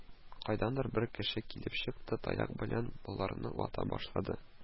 Кайдандыр бер кеше килеп чыкты, таяк белән боларны вата башлады